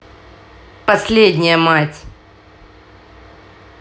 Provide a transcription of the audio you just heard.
последняя мать